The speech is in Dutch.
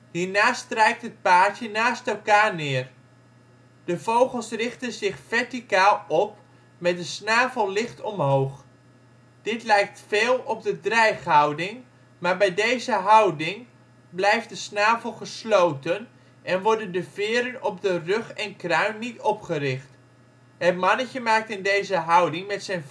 Hierna strijkt het paartje naast elkaar neer. De vogels richten zich verticaal op, met de snavel licht omhoog. Dit lijkt veel op de dreighouding, maar bij deze houding blijft de snavel gesloten en worden de veren op de rug en kruin niet opgericht. Het mannetje maakt in deze houding met zijn voorlijf